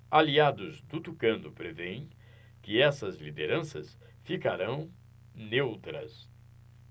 aliados do tucano prevêem que essas lideranças ficarão neutras